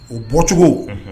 U bɔcogo